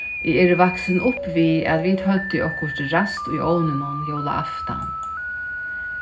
eg eri vaksin upp við at vit høvdu okkurt ræst í ovninum jólaaftan